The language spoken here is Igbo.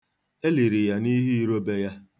E liri ya n'ihu iro be ya.